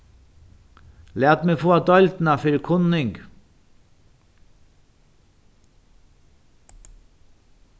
lat meg fáa deildina fyri kunning